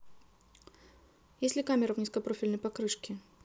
есть ли камера в низкопрофильной покрышке